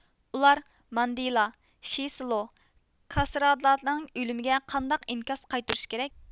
ئۇلار ماندېلا شېسلو كاسرادالارنىڭ ئۆلۈمىگە قانداق ئىنكاس قايتۇرۇشى كېرەك